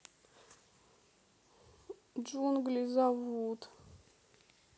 джунгли зовут